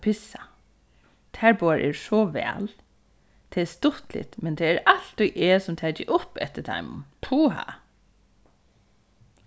pissa tær báðar eru so væl tað er stuttligt men tað er altíð eg sum taki upp eftir teimum puha